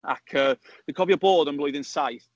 Ac yy, dwi'n cofio bod yn blwyddyn saith...